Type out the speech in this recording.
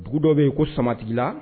Dugu dɔ bɛ yen ko samatigila